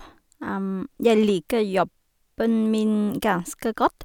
Jeg liker jobben min ganske godt.